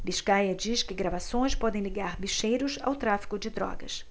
biscaia diz que gravações podem ligar bicheiros ao tráfico de drogas